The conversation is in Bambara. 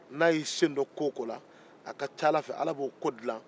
n'a y'i sen don ko o ko la a ka ca a la fɛ ala bɛ o ko dilan